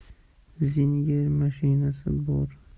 zinger mashinasi bor